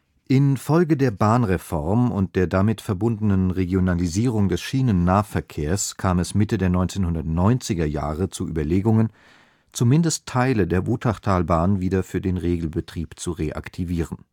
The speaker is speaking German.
In Folge der Bahnreform und der damit verbundenen Regionalisierung des Schienennahverkehrs kam es Mitte der 1990er Jahre zu Überlegungen, zumindest Teile der Wutachtalbahn wieder für den Regelbetrieb zu reaktivieren